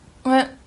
We-...